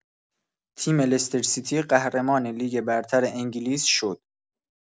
تیم لسترسیتی قهرمان لیگ برتر انگلیس شد.